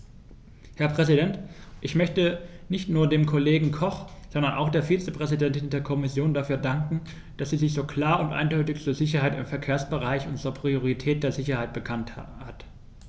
Herr Präsident, ich möchte nicht nur dem Kollegen Koch, sondern auch der Vizepräsidentin der Kommission dafür danken, dass sie sich so klar und eindeutig zur Sicherheit im Verkehrsbereich und zur Priorität der Sicherheit bekannt hat.